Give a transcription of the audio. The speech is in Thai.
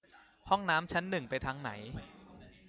ห้องน้ำชั้นหนึ่งไปทางไหน